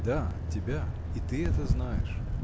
— Да, от тебя: и ты это знаешь.